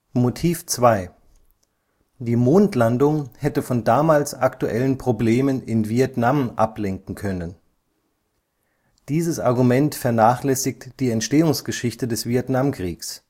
Motiv 2 Die Mondlandung hätte von damals aktuellen Problemen in Vietnam ablenken können. Dieses Argument vernachlässigt die Entstehungsgeschichte des Vietnamkriegs